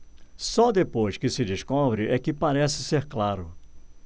só depois que se descobre é que parece ser claro